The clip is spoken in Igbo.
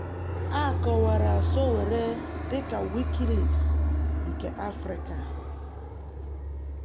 A kọwara SR dịka Wikileaks nke Africa.